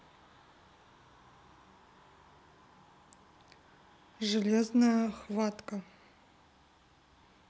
железная хватка